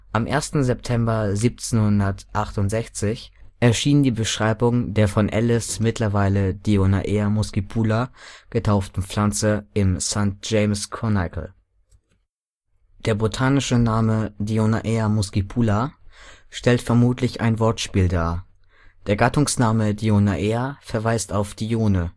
Am 1. September 1768 erschien die Beschreibung der von Ellis mittlerweile Dionaea muscipula getauften Pflanze im St. James’ s Chronicle. Der botanische Name Dionaea muscipula stellt vermutlich ein Wortspiel dar. Der Gattungsname Dionaea verweist auf Dione